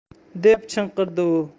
deb chinqirdi u